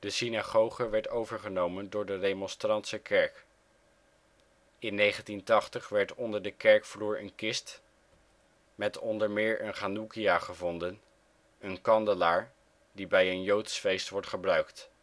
synagoge werd overgenomen door de remonstrantse kerk. In 1980 werd onder de kerkvloer een kist met onder meer een chanoekia gevonden, een kandelaar die bij een joods feest wordt gebruikt